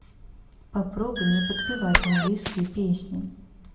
попробуй не подпевать английские песни